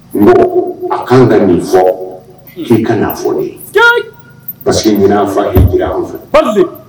Mɔgɔ a kan ka nin fɔ k'i ka fɔ ye pa ɲin' fa' jira